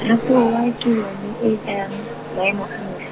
Raseboa ke yone e e tsayang, maemo a ntlh-.